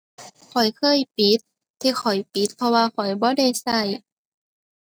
ข้อยเคยปิด ที่ข้อยปิดเพราะว่าข้อยบ่ได้ใช้